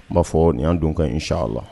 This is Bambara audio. N b'a fɔ nin y'an donkan ye inesa ala .